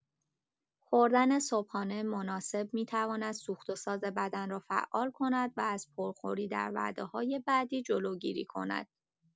خوردن صبحانه مناسب می‌تواند سوخت‌وساز بدن را فعال کند و از پرخوری در وعده‌های بعدی جلوگیری کند.